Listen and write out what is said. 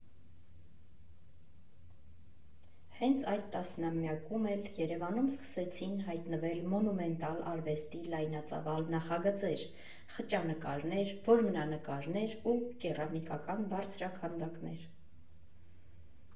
Հենց այդ տասնամյակում էլ Երևանում սկսեցին հայտնվել մոնումենտալ արվեստի լայնածավալ նախագծեր՝ խճանկարներ, որմնանկարներ ու կերամիկական բարձրաքանդակներ։